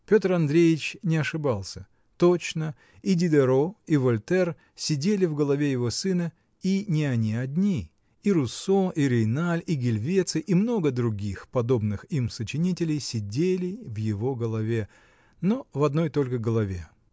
Петр Андреич не ошибался: точно, и Дидерот и Вольтер сидели в голове его сына, и не они одни -- и Руссо, и Рейналь, и Гельвеции, и много других, подобных им, сочинителей сидели в его голове, -- но в одной только голове.